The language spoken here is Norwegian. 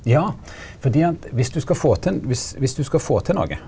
ja fordi at viss du skal få til viss viss du skal få til noko.